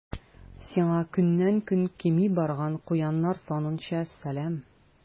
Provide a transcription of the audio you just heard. Сиңа көннән-көн кими барган куяннар санынча сәлам.